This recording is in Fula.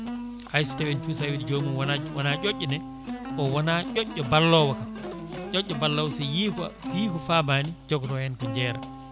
hayso tawi en cuusa wiide jomum wona ƴoƴƴone o wona ƴoƴƴo ballowo kam ƴoƴƴo ballowo so yii ko so yii ko famani jogoto hen ko jeera